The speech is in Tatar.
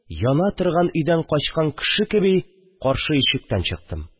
Яна торган өйдән качкан кеше кеби, каршы ишектән чыктым